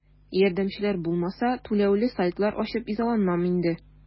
Ярдәмчеләр булмаса, түләүле сайтлар ачып изаланмам инде.